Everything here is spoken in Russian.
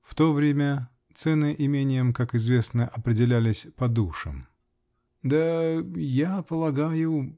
(В то время цены имениям, как известно, определялись по душам. )-- Да. я полагаю.